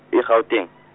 e- Gauteng.